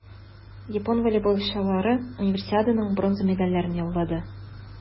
Япон волейболчылары Универсиаданың бронза медальләрен яулады.